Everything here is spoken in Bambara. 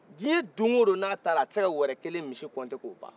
diɲɛ don wo don n'a taara a tɛ se ka wɛrɛ misi compter ka ban